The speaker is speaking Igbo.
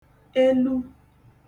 elu